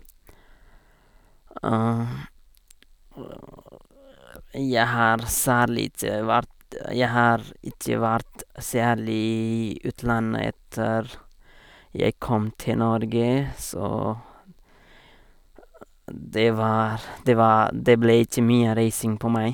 Jeg har særlig ikke vært jeg har ikke vært særlig i utlandet etter jeg kom til Norge, så det var det var det ble ikke mye reising på meg.